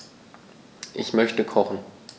Ich möchte kochen.